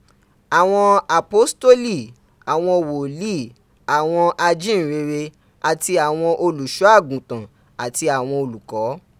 awon apositeli, awon woli, awon ajinrere ati awon oluso agutan ati awon oluko.